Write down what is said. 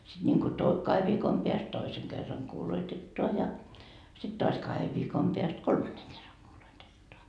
sitten niin kuin - kahden viikon päästä toisen kerran kuuloitetaan ja sitten taas kahden viikon päästä kolmannen kerran kuuloitetaan